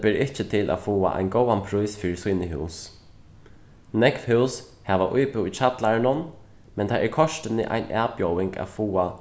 ber ikki til at fáa ein góðan prís fyri síni hús nógv hús hava íbúð í kjallaranum men tað er kortini ein avbjóðing at fáa